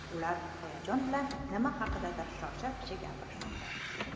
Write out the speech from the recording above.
ular hayajon bilan nima haqidadir shosha pisha gapirmoqda